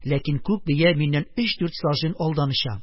Ләкин күк бия миннән 3-4 сажень алдан оча.